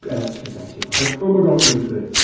yy llygaid ti. I was like "oh my god ok great".